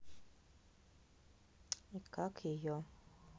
и как ее